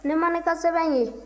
ne ma ne ka sɛbɛn ye